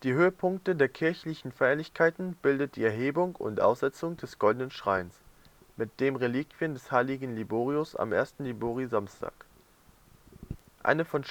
Höhepunkte der kirchlichen Feierlichkeiten bilden die Erhebung und Aussetzung des goldenen Schreins mit den Reliquien des Hl. Liborius am ersten Libori-Samstag; eine von